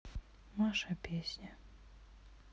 маша песня